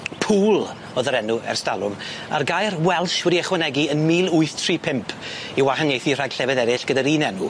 Pool o'dd yr enw ers dalwm a'r gair Welsh wedi ychwanegu yn mil wyth tri pump i wahaniaethu rhag llefydd eryll gyda'r un enw.